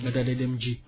nga daal di dem ji